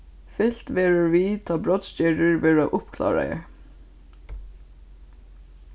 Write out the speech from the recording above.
fylgt verður við tá brotsgerðir verða uppkláraðar